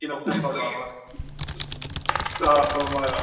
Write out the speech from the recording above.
Un o'r pethau yma. Jyst, ia, fela mae o.